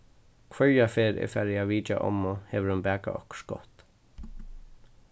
hvørja ferð eg fari at vitja ommu hevur hon bakað okkurt gott